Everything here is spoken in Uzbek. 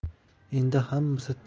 endi hammasi tamom